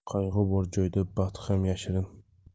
qayg'u bor joyda baxt ham yashirin